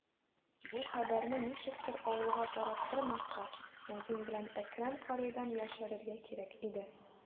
Бу хәбәрне ничектер авылга тараттырмаска, мәзин белән Әкрәм каридан яшерергә кирәк иде.